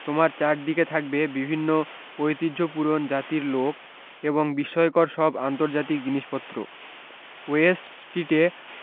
তোমার চারদিকে থাকবে বিভিন্ন ঐতিহ্যপুরন জাতির লোক এবং বিষ্ময়কর সব আন্তর্জাতিক জিনিসপত্র ওয়েস্ট স্ট্রীটে